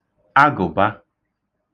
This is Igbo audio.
agụ̀ba